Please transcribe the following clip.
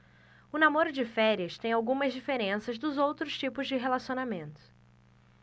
o namoro de férias tem algumas diferenças dos outros tipos de relacionamento